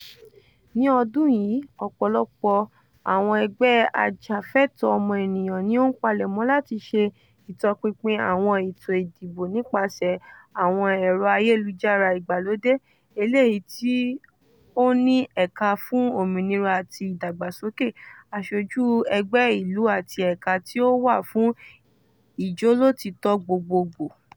Ní ọdún yìí, ọ̀pọ̀lọpọ̀ àwọn ẹgbẹ́ ajàfẹ́tọ̀ọ́ ọmọnìyàn ni ó ń palẹ̀mọ́ láti ṣe ìtọpinpin àwọn ètò ìdìbò nípaṣẹ àwọn ẹ̀rọ-ayélujára ìgbàlódé, eléyìí tí ó ní Ẹ̀ka fún Òmìnira àti Ìdàgbàsókè, Asojú Ẹgbẹ́ ìlú àti Ẹ̀ka tí ó wà fún Ìjólótìítọ́ Gbogbogbò.